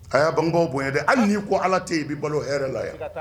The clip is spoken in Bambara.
A y' ban bon ye dɛ hali n'i ko ala tɛ yen i bɛ balo hɛrɛ la yan